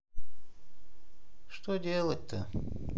что делать то